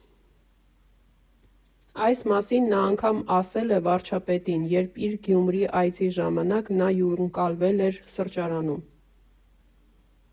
Այս մասին նա անգամ ասել է վարչապետին, երբ իր Գյումրի այցի ժամանակ նա հյուրընկալվել էր սրճարանում։